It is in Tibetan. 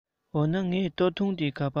འོ ན ངའི གོས ཐུང དེ ག པར ཡོད